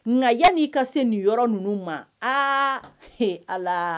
Nka yani i ka se nin yɔrɔ ninnu ma, aah all.la